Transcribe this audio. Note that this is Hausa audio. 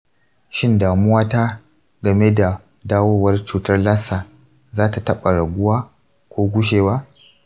shin damuwata game da dawowar cutar lassa za ta taɓa raguwa ko gushewa?